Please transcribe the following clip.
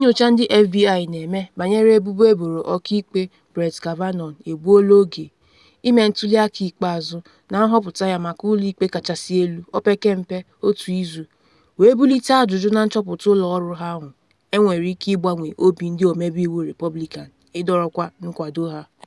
Nyocha ndị FBI na-eme banyere ebubo eboro Ọka Ikpe Brett Kavanaugh egbuola oge ime ntuli aka ikpeazụ na nhọpụta ya maka Ụlọ Ikpe Kachasị Elu opekempe otu izu, wee bulite ajụjụ na nchọpụta ụlọ ọrụ ahụ enwere ike ịgbanwe obi ndị ọmebe iwu Repọblikan ịdọrọkwa nkwado ha.